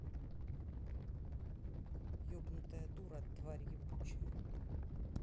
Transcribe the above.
ебнутая дура тварь ебучая